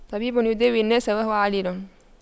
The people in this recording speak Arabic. طبيب يداوي الناس وهو عليل